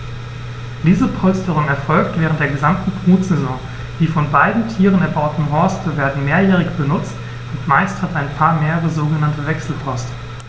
Diese Polsterung erfolgt während der gesamten Brutsaison. Die von beiden Tieren erbauten Horste werden mehrjährig benutzt, und meist hat ein Paar mehrere sogenannte Wechselhorste.